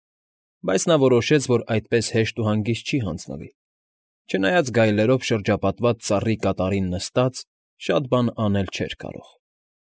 Բայց նա որոշեց, որ այդպես հեշտ ու հանգիստ չի հանձնվի, չնայած, գայլերով շրջապատված ծառի կատարին նստած, շատ բան անել չէր կարող։